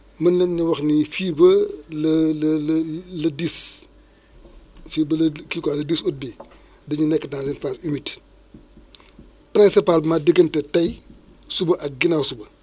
mën nañ ne wax ni fii ba le le le le dix fii ba le kii quoi le dix août bi dañu nekk dans une phase humide principalement diggante tey suba ak ginnaaw suba